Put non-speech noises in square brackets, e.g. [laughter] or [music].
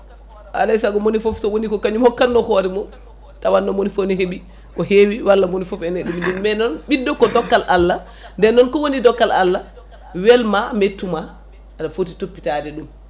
alay saago moni foof sowoni ko kañum hokkanno hoore mum tawanno moni foof ne heeɓi ko heewi walla moni foof ene ɗumi nini [coughs] mais noon ɓiɗɗo ko dollal Allah nden kowoni dokkal Allah welma mettuma aɗa foti toppitade ɗum